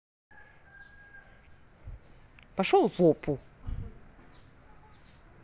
пошел в опу